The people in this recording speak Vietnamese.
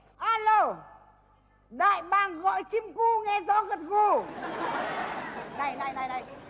a lô đại bàng gọi chim cu nghe rõ gật gù này này này này